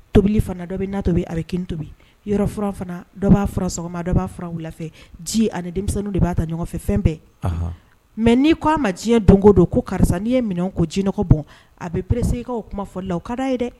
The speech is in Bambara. Tobili fana dɔ bɛ n'atɔbi a kin tobi yɔrɔ fana dɔw' sɔgɔma dɔwfɛ ji ani denmisɛnnin de b'a ta ɲɔgɔnfɛ fɛn bɛɛ mɛ n'i ko aa ma diɲɛ don don ko karisa n'i ye min ko jinɛɔgɔ bɔn a bɛeresekaw kuma fɔ la o ka da ye dɛ